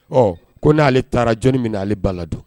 Ɔ ko n'ale taaraj min na ale ba la don